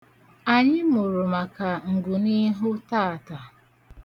Anyị mụrụ maka ngụniihu taata.